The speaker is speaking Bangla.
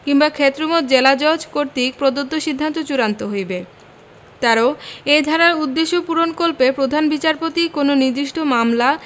কিংবা ক্ষেত্রমত জেলাজজ কর্তৃক প্রদত্ত সিদ্ধান্ত চূড়ান্ত হইবে ১৩ এই ধারার উদ্দেশ্য পূরণকল্পে প্রধান বিচারপতি কোন নির্দিষ্ট মামলা